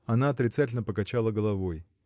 Она отрицательно покачала головой.